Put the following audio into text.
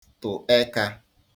tụ̀ ekā